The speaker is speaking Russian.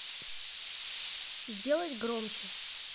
сделать громче